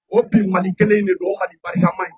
O tɛ mali kelen de don ani barika man ye